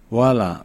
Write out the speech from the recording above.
Wala